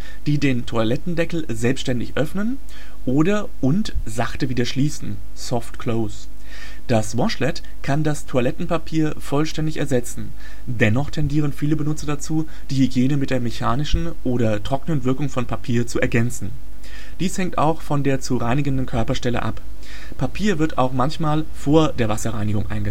den Toilettendeckel selbsttätig öffnen oder/und sachte wieder schließen (soft close). Das Washlet kann das Toilettenpapier vollständig ersetzen. Dennoch tendieren viele Benutzer dazu, die Hygiene mit der mechanischen oder trocknenden Wirkung von Papier zu ergänzen. Dies hängt auch von der zu reinigenden Körperstelle ab. Papier wird auch manchmal vor der Wasserreinigung